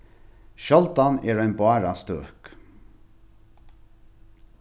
sjáldan er ein báran støk